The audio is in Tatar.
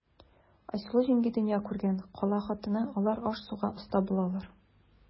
Айсылу җиңги дөнья күргән, кала хатыны, алар аш-суга оста булалар.